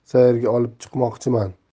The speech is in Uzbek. bir sayrga olib chiqmoqchiman